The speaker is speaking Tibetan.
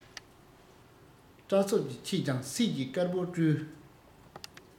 སྐྲ ཚོགས ཀྱི ཕྱེད ཀྱང སད ཀྱིས དཀར བོར བཀྲུས